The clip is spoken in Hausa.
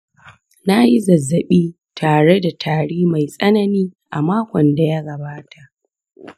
na yi zazzaɓi tare da tari mai tsanani a makon da ya gabata.